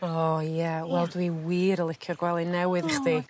O ie wel dwi wir yn licio gwely newydd i chdi.